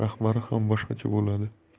bo'ladi rahbari ham boshqa bo'ladi